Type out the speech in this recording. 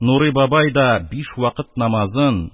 Нурый бабай да биш вакыт намазын,